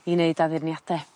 i neud addurniade